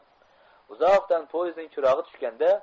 uzoqdan poezdning chirogi tushganda